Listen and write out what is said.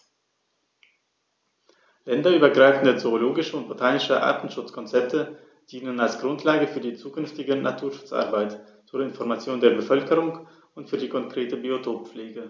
Länderübergreifende zoologische und botanische Artenschutzkonzepte dienen als Grundlage für die zukünftige Naturschutzarbeit, zur Information der Bevölkerung und für die konkrete Biotoppflege.